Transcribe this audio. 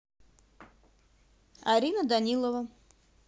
арина данилова